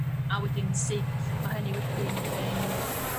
Aa wedyn sud ma' hynny wedyn yn